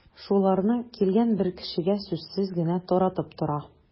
Шуларны килгән бер кешегә сүзсез генә таратып тора.